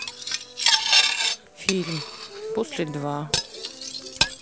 фильм после два